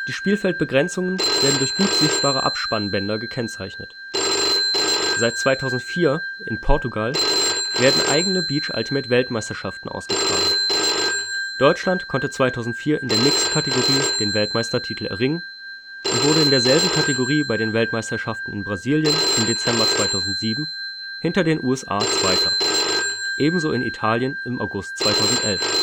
Spielfeldbegrenzungen werden durch gut sichtbare Abspannbänder gekennzeichnet. Seit 2004 (Portugal) werden eigene Beach-Ultimate-Weltmeisterschaften ausgetragen. Deutschland konnte 2004 in der Mixed-Kategorie den Weltmeistertitel erringen und wurde in derselben Kategorie bei den Weltmeisterschaften in Brasilien im Dezember 2007 hinter den USA Zweiter, ebenso in Italien im August 2011